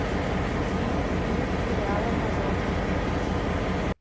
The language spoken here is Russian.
почему нет сериала мажор